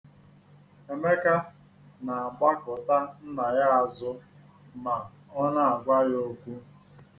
Emeka na-agbakụta nna ya azụ ma ọ na-agwa ya okwu.